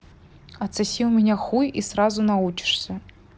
отсоси у меня хуй и сразу научишься